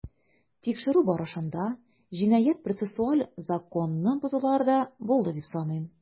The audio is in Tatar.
Тикшерү барышында җинаять-процессуаль законны бозулар да булды дип саныйм.